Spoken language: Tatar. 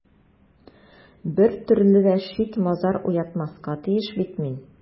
Бер төрле дә шик-мазар уятмаска тиеш бит мин...